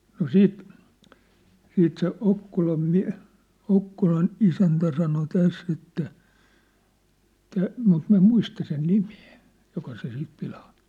no sitten sitten se Okkolan - Okkolan isäntä sanoi tässä että - mutta minä en muista sen nimeä joka se siinä pilaantui